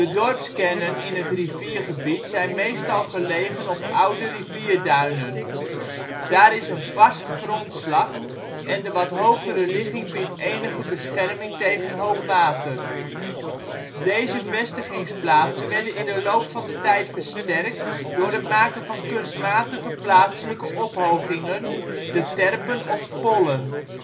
dorpskernen in het riviergebied zijn meestal gelegen op oude rivierduinen. Daar is een vast grondslag en de wat hogere ligging biedt enige bescherming tegen hoogwater. Deze vestigingsplaatsen werden in de loop van de tijd versterkt door het maken van kunstmatige plaatselijke ophogingen: de terpen of pollen